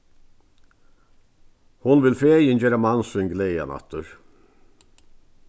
hon vil fegin gera mann sín glaðan aftur